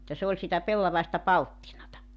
että se oli sitä pellavaista palttinaa